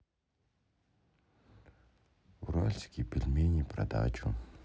уральские пельмени про дачу